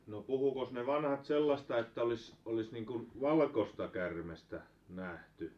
no puhuikos ne vanhat sellaista että olisi olisi niin kuin valkoista käärmettä nähty